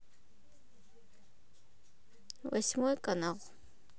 восьмой канал